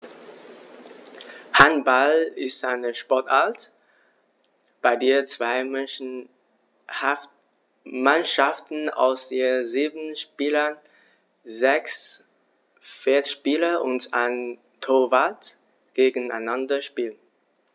Handball ist eine Sportart, bei der zwei Mannschaften aus je sieben Spielern (sechs Feldspieler und ein Torwart) gegeneinander spielen.